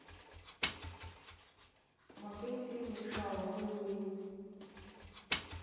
смотреть фильм решала нулевые